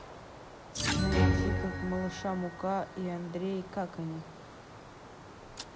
найди как малыша мука и андрей как они